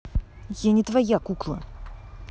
я не твоя кукла